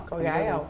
có gái hông